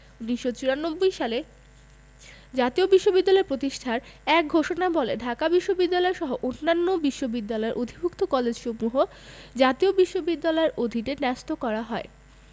১৯৯৪ সালে জাতীয় বিশ্ববিদ্যালয় প্রতিষ্ঠার এক ঘোষণাবলে ঢাকা বিশ্ববিদ্যালয়সহ অন্যান্য বিশ্ববিদ্যালয়ের অধিভুক্ত কলেজসমূহ জাতীয় বিশ্ববিদ্যালয়ের অধীনে ন্যস্ত করা হয়